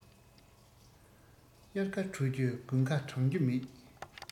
དབྱར ཁ དྲོ རྒྱུ དགུན ཁ གྲང རྒྱུ མེད